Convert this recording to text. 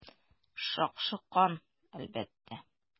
Шакшы кан, әлбәттә.